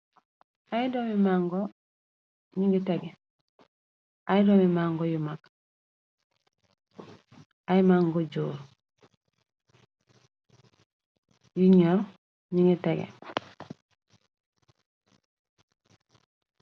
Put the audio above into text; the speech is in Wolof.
Ay doomi mànga yu mag ay màngo jóor yu ñor ñi ngi tege.